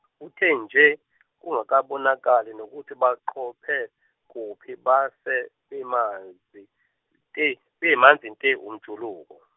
kuthe nje, kungakabonakali nokuthi baqophe kuphi base bemanzi, te bemanzi te umjuluko.